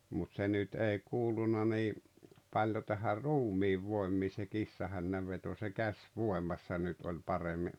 mutta se nyt ei kuulunut niin paljon tähän ruumiinvoimiin se kissahännänveto se käsivoimassa nyt oli paremmin